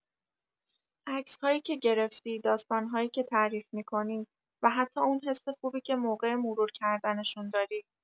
عکس‌هایی که گرفتی، داستان‌هایی که تعریف می‌کنی، و حتی اون حس خوبی که موقع مرور کردنشون داری.